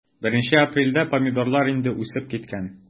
1 апрельдә помидорлар инде үсеп киткән.